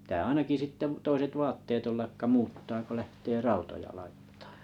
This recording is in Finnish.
pitää ainakin sitten toiset vaatteet olla jotka muuttaa kun lähtee rautoja laittamaan